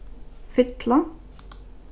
fylla